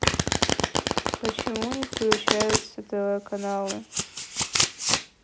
почему не включаются тв каналы